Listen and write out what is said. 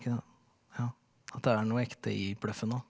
ja ja at det er noe ekte i bløffen òg.